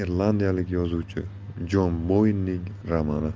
bola irlandiyalik yozuvchi jon boynning romani